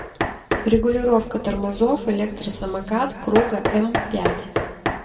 регулировка тормозов электросамокат круга м пять